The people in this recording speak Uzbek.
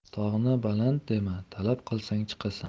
tog'ni baland dema talab qilsang chiqasan